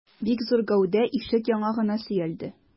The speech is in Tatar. Бик зур гәүдә ишек яңагына сөялде.